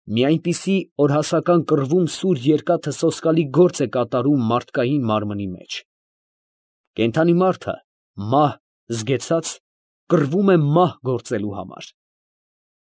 Մի այնպիսի օրհասական կռվում սուր երկաթը սոսկալի գործ է կատարում մարդկային մարմնի հետ։ ֊ Կենդանի մարդը մահ զգեցած, կռվում է մահ գործելու համար։